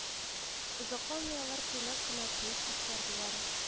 Озакламый алар тыйнак кына туй үткәрделәр